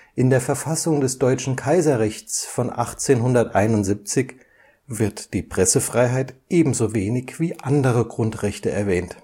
In der Verfassung des Deutschen Kaiserreiches von 1871 wird die Pressefreiheit ebenso wenig wie andere Grundrechte erwähnt